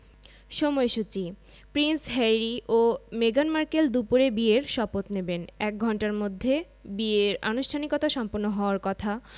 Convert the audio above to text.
সময়সূচি Prince Harry ও মেগান মার্কেল দুপুরে বিয়ের শপথ নেবেন এক ঘণ্টার মধ্যে বিয়ের আনুষ্ঠানিকতা সম্পন্ন হওয়ার কথা